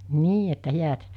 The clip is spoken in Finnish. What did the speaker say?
niin että häät